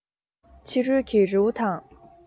ཕྱི རོལ གྱི རི བོ དང